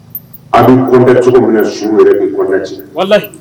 A bɛ kɔnɛ cogo minɛ su yɛrɛ bɛ kɔnɛ cɛ